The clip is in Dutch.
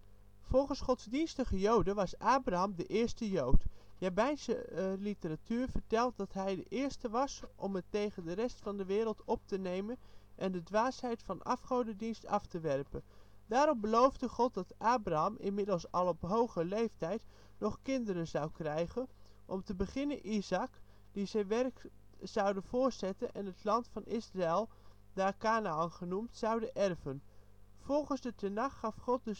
Volgens godsdienstige joden, was Abraham de eerste jood. Rabbijnse literatuur vertelt dat hij de eerste was om het tegen de rest van de wereld op te nemen en de dwaasheid van afgodendienst af te werpen. Daarop beloofde God dat Abraham, inmiddels al op hoge leeftijd, nog kinderen zou krijgen, om te beginnen Isaak, die zijn werk zouden voortzetten en het land van Israël (daar Kanaän genoemd) zouden erven. Volgens de Tenach gaf God